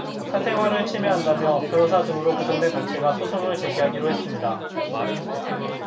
사생활을 침해한다며 변호사 등으로 구성된 단체가 소송을 제기하기로 했습니다